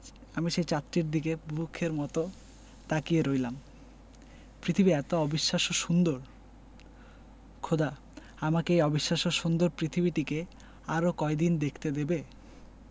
আমি সেই চাঁদটির দিকে বুভুক্ষের মতো তাকিয়ে রইলাম পৃথিবী এতো অবিশ্বাস্য সুন্দর খোদা আমাকে এই অবিশ্বাস্য সুন্দর পৃথিবীটিকে আরো কয়দিন দেখতে দেবে